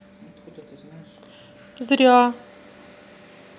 зря